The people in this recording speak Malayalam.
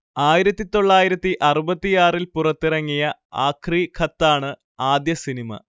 ആയിരത്തിതൊള്ളായിരത്തിഅറുപത്താറി ൽ പുറത്തിറങ്ങിയ 'ആഖ്രി ഖത്താ' ണ് ആദ്യ സിനിമ